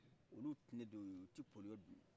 olu tinɛ de y'oye u ti pɔliɔ dun